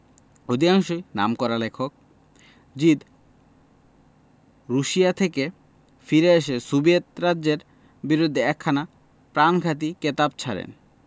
অধিকাংশই নামকরা লেখক জিদ রুশিয়া থেকে ফিরে এসে সোভিয়েট রাজ্যের বিরুদ্ধে একখানা প্রাণঘাতী কেতাব ছাড়েন